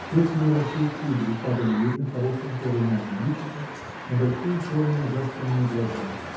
Крупные русые кудри падали ей на хорошенькое румяное личико, на большие черные заспанные глаза